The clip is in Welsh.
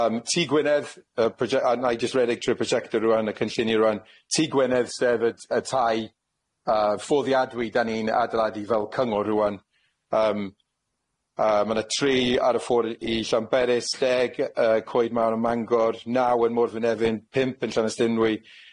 Yym Tŷ Gwynedd yy proje- a nai jyst redeg trwy'r projecto rŵan, y cynlluni rŵan Tŷ Gwynedd sef y t- y tai yy ffoddiadwy dan ni'n adeiladu fel cyngor rŵan yym a ma' na tri ar y ffordd i Llanberis deg yn Coed Mawr ym Mangor naw yn Morfyn Efyn pump yn Llanestynwy.